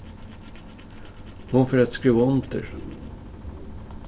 hon fer at skriva undir